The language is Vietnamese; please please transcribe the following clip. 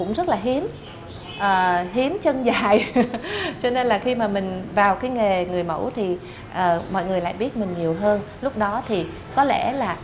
cũng rất là hiếm ờ hiếm chân dài cho nên là khi mà mình vào cái nghề người mẫu thì ờ mọi người lại biết mình nhiều hơn lúc đó thì có lẽ là